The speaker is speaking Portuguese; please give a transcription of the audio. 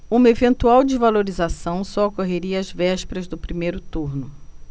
uma eventual desvalorização só ocorreria às vésperas do primeiro turno